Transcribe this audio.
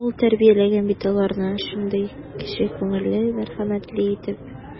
Ул тәрбияләгән бит аларны шундый кече күңелле, мәрхәмәтле итеп.